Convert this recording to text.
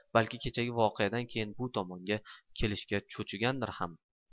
balki kechagi voqeadan keyin bu tomonga kelishga cho'chigan hamdir